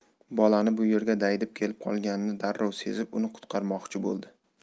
bolani bu yerga daydib kelib qolganini darrov sezib uni qutqarmoqchi bo'ldi